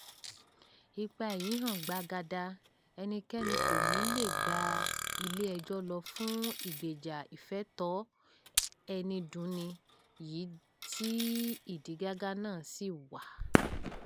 Ipa èyí hàn gbàgàdà — ẹnikẹ́ni kò ní leè gba ilé ẹjọ́ lọ fún ìgbèjà ìfẹ̀tọ́ ẹni dunni yìí tí ìdígàgá náà ṣì wà.